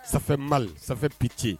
Sanfɛ mali sanfɛ p ce